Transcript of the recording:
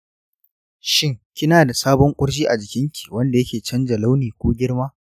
shin kinada sabon kurji a jikinki wanda yake canza launi ko girma?